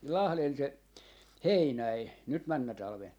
Lahden - Heinänen nyt menneenä talvena